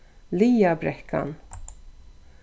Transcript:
liðabrekkan